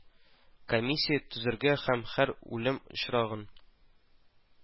Комиссия төзергә һәм һәр үлем очрагын